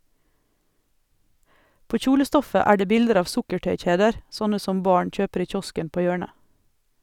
På kjolestoffet er det bilder av sukkertøykjeder, sånne som barn kjøper i kiosken på hjørnet.